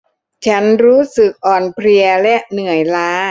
ฉันรู้สึกอ่อนเพลียและเหนื่อยล้า